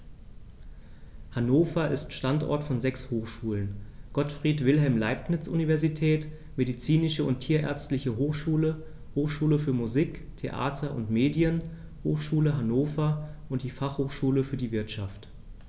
Hannover ist Standort von sechs Hochschulen: Gottfried Wilhelm Leibniz Universität, Medizinische und Tierärztliche Hochschule, Hochschule für Musik, Theater und Medien, Hochschule Hannover und die Fachhochschule für die Wirtschaft.